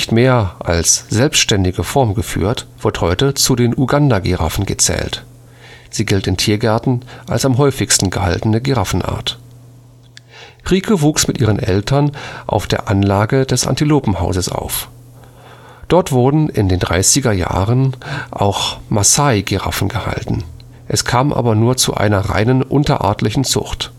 mehr als selbstständige Form geführt, wird heute zu den Uganda-Giraffen gezählt. Sie gilt in Tiergärten als am häufigsten gehaltene Giraffenart. Rieke wuchs mit ihren Eltern auf der Anlage des Antilopenhauses auf. Dort wurden in den 1930er Jahren auch Massai-Giraffen gehalten, es kam aber nur zu einer reinen unterartlichen Zucht